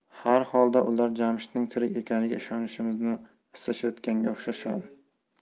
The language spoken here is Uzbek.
harholda ular jamshidning tirik ekaniga ishonishimizni istashayotganga o'xshashadi